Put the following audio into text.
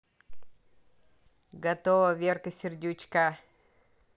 готово верка сердючка